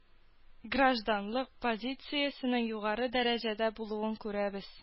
Гражданлык позициясенең югары дәрәҗәдә булуын күрәбез